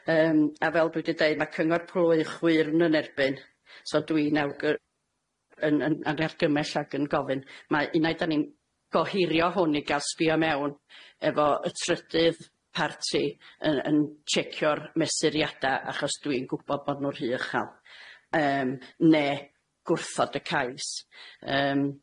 Yym a fel dwi 'di deud, ma' cyngor plwy chwyrn yn erbyn, so dwi'n awgy- yn yn yn argymell ag yn gofyn mae un ai 'dan ni'n gohirio hwn i ga'l sbïo mewn efo y trydydd parti yn yn tshecio'r mesuriada, achos dwi'n gwbod bo' nw'n rhy ychal, yym ne' gwrthod y cais yym.